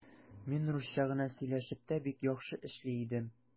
Мин русча гына сөйләшеп тә бик яхшы эшли идем.